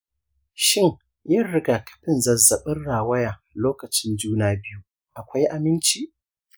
shin yin rigakafin zazzabin rawaya lokacin juna biyu akwai aminci?